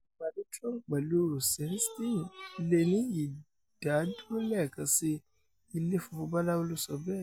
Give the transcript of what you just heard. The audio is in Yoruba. Ìpàdé Trump pẹ̀lú Rosenstein lé ní ìdádúró lẹ́ẹ̀kan síi, Ilé Funfun Báláu ló sọ bẹ́ẹ̀.